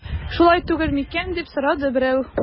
Шулай түгел микән дип сорады берәү.